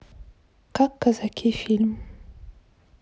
как казаки фильм